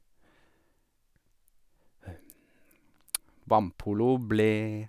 Vannpolo ble...